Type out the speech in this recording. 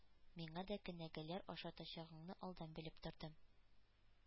Миңа да кенәгәләр ашатачагыңны алдан белеп тордым.